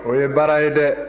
o ye baara ye dɛ